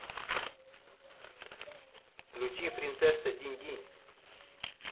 включи принцесса динь динь